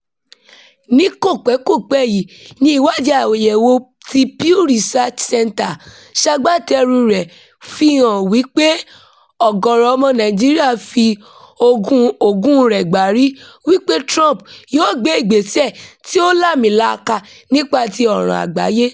Ní kò pẹ́ kò pẹ́ yìí ni ìwádìí àyẹ̀wò tí Pew Research Centre ṣagbátẹrùu rẹ̀ fi hàn wípé ọ̀gọ̀rọ̀ ọmọ Nàìjíríà "fi Ògún-un rẹ̀ gbárí" wípé Trump "yóò gbé ìgbésẹ̀ tí ó lààmìlaka nípa ti ọ̀ràn àgbáyé".